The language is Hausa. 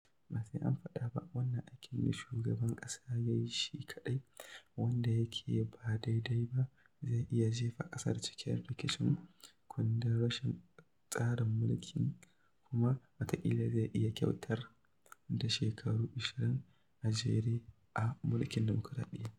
Ba sai an faɗa ba, wannan aikin da shugaban ƙasa ya yi shi kaɗai wanda yake ba daidai ba zai iya jefa ƙasar cikin rikicin kundin tsarin mulki kuma, wataƙila, zai iya kautar da shekaru 20 a jere na mulkin dimukuraɗiyya.